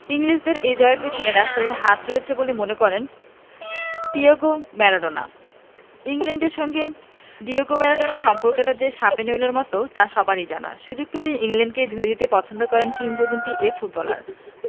ইংলিশদের এই জয়ের পেছনে রেফারির হাত রয়েছে বলে মনে করেন ডিয়েগো ম্যারাডোনা ইংল্যান্ডের সঙ্গে ডিয়েগো ম্যারাডোনার সম্পর্কটা যে শাপে নেউলের মতো তা সবারই জানা সুযোগ পেলেই ইংল্যান্ডকে ধুয়ে দিতে পছন্দ করেন কিংবদন্তি এ ফুটবলার